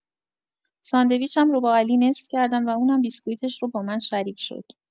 ساندویچم رو با علی نصف کردم و اونم بیسکویتش رو با من شریک شد.